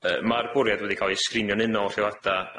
Yy ma'r bwriad wedi ca'l 'i sgrinio'n unol rheolada